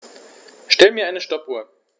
Stell mir eine Stoppuhr.